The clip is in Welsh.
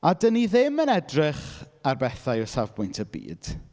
A dan ni ddim yn edrych ar bethau o safbwynt y byd.